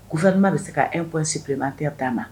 Kufalima bɛ se' e psi bilenna tɛ taama an na